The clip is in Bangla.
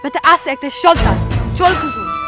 ব্যাটা আস্ত একটা শয়তান চল কুসুম